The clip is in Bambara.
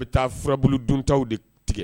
An bɛ taa furabbolodontaw de tigɛ